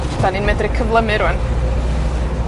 'Dan ni'n medru cyflymu rŵan.